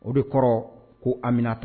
O de kɔrɔ ko Anminata